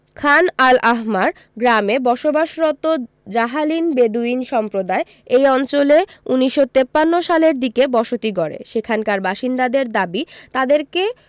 খান al Ahmar গ্রামে বসবাসরত Jahalin Bedouin সম্প্রদায় এই অঞ্চলে ১৯৫৩ সালের দিকে বসতি গড়ে সেখানকার বাসিন্দাদের দাবি তাদেরকে